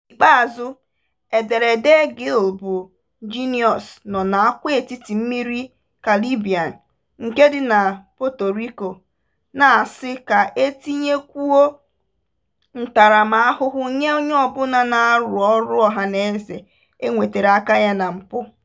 N'ikpeazụ, ederede Gil bụ Jenius nọ n'àgwàetiti mmiri Caribbean nke dị na Puerto Rico na-asị ka e tinyekwo ntaramahụhụ nye onye ọbụla na-arụ ọrụ ọhaneze e nwetere aka ya na mpụ.